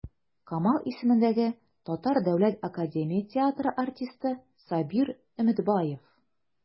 Камал исемендәге Татар дәүләт академия театры артисты Сабир Өметбаев.